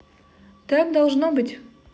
так должно быть